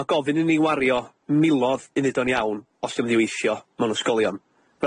Ma' gofyn i ni wario miloedd i neud o'n iawn os 'di o'n mynd i weithio mewn ysgolion.